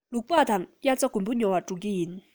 ལུག པགས དང དབྱར རྩྭ དགུན འབུ ཉོ བར འགྲོ གི ཡིན